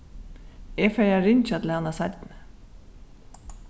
eg fari at ringja til hana seinni